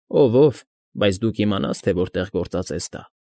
Ով՝ ով, բայց դու կիմանաս, թե որտեղ գործածես դա։ ֊